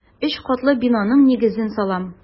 Өч катлы бинаның нигезен салам.